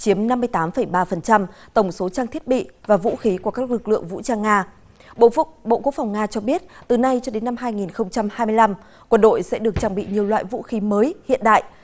chiếm năm mươi tám phẩy ba phần trăm tổng số trang thiết bị và vũ khí của các lực lượng vũ trang nga bộ phúc bộ quốc phòng nga cho biết từ nay cho đến năm hai nghìn không trăm hai mươi lăm quân đội sẽ được trang bị nhiều loại vũ khí mới hiện đại